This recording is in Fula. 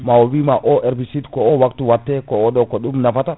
mawo wima o herbicide ko o waptu watte ko oɗo ko ɗum nafata